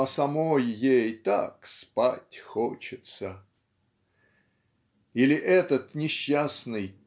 а самой ей так "спать хочется". Или этот несчастный